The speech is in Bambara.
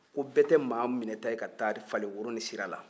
ko bɛɛ tɛ maa minɛta ye ka t'a falen woro ni sira la